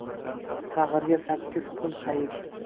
sag'irga sakkiz kun hayit